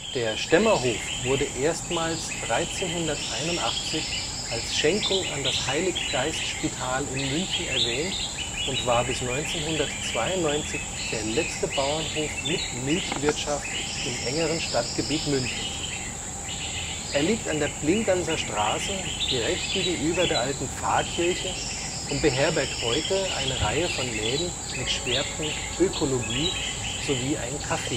Der Stemmerhof wurde erstmals 1381 als Schenkung an das Heiliggeistspital in München erwähnt und war bis 1992 der letzte Bauernhof mit Milchwirtschaft im engeren Stadtgebiet Münchens. Er liegt an der Plinganserstraße direkt gegenüber der alten Pfarrkirche und beherbergt heute eine Reihe von Läden mit Schwerpunkt Ökologie, sowie ein Café